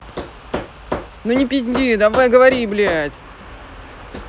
ну не пизди давай говори блядь